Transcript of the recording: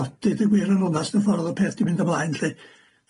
o, deud y gwir yn onest y ffor' o'dd y peth 'di mynd ymlaen lly.